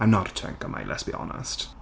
I'm not a twink am I, let's be honest.